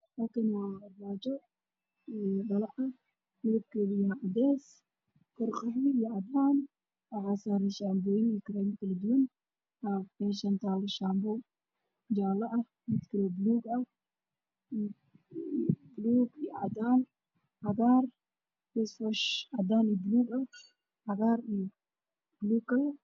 Halkaan waa armaajo dhalo ah midabkeedu waa cadeys, kor qaxwi iyo cadaan, waxaa saaran shaambooyin iyo kareemo kala duwan shaambo jaale ah, mid buluug ah, cadaan, madow iyo cagaar, fayshwoosh cagaar ah.